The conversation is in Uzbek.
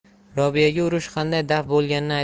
robiyaga urush qanday daf bo'lganini